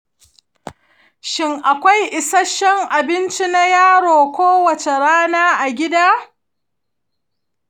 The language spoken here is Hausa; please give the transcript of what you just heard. shin akwai isasshen abinci na yaro kowace rana a gida?